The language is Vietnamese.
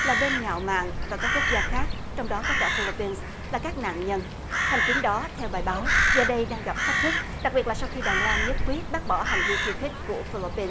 là bên ngạo mạn và các quốc gia khác trong đó có cả phi líp pin là các nạn nhân hành chính đó theo bài báo giờ đây đang gặp thách thức đặc biệt là sau khi đài loan nhất quyết bác bỏ hành vi khiêu khích của phi líp pin